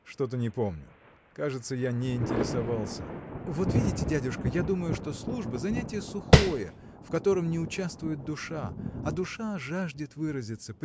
– Что-то не помню; кажется, я не интересовался. – Вот видите дядюшка я думаю что служба – занятие сухое в котором не участвует душа а душа жаждет выразиться